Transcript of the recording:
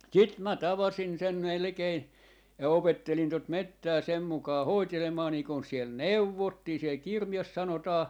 sitten minä tavasin sen melkein ja opettelin tuota metsää sen mukaan hoitelemaan niin kuin siellä neuvottiin siellä kirjassa sanotaan